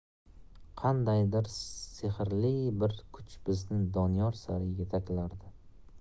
qandaydir sehrli bir kuch bizni doniyor sari yetaklardi